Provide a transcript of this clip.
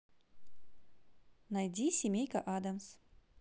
найди семейка адамс